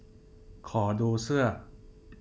ขอดูเสื้อ